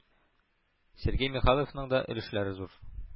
Сергей Михайловның да өлешләре зур.